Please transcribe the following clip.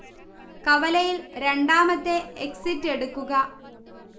കവലയിൽ രണ്ടാമത്തെ എക്സിറ്റ് എടുക്കുക